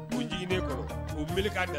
Kun jigin ne kɔrɔ u m k ka gɛlɛn